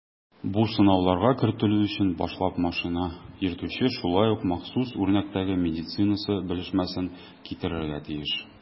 Бу сынауларга кертелү өчен башлап машина йөртүче шулай ук махсус үрнәктәге медицинасы белешмәсен китерергә тиеш.